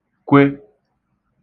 kwe